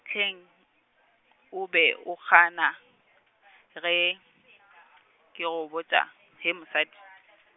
hleng , o be o gana, ge, ke go botša, hee mosadi?